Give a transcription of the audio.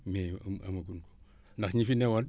mais amaguñu ndax ñi fi newoon